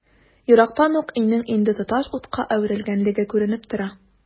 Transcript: Ерактан ук өйнең инде тоташ утка әверелгәнлеге күренеп тора.